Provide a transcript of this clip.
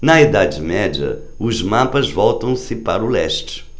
na idade média os mapas voltam-se para o leste